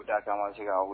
U taa taama se ka